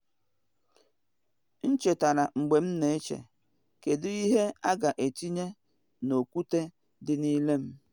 M chetara mgbe n eche, kedu ihe a ga-etinye n’okwute dị n’ili m?